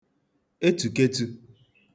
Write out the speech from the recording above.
etùketū